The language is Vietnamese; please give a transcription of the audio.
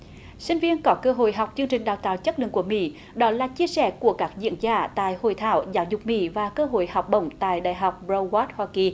sinh viên có cơ hội học chương trình đào tạo chất lượng của mỹ đó là chia sẻ của các diễn giả tại hội thảo giáo dục mỹ và cơ hội học bổng tại đại học bờ râu oát hoa kỳ